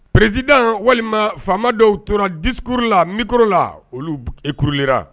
President walima faama dɔw tora discours la olu ecroulé la.